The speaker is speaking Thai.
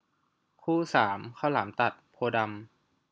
คู่สามข้าวหลามตัดโพธิ์ดำ